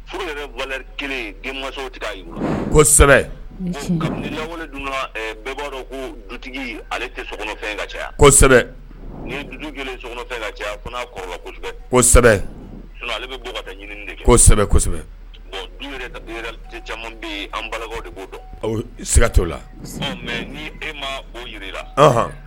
Furu kosɛbɛ bɛɛ b'a dɔn ko dutigi alefɛn ka caya kosɛbɛ ka caya kɔrɔ kosɛbɛ an bala de b'o dɔn siga t la mɛ ni e